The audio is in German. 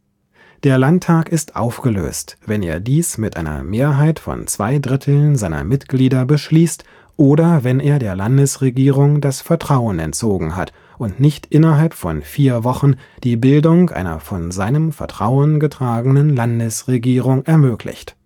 Der Landtag ist aufgelöst, wenn er dies mit einer Mehrheit von zwei Dritteln seiner Mitglieder beschließt oder wenn er der Landesregierung das Vertrauen entzogen hat und nicht innerhalb von vier Wochen die Bildung einer von seinem Vertrauen getragenen Landesregierung ermöglicht